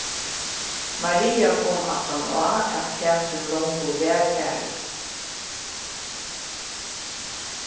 maria kom aftan á at katrin longu var farin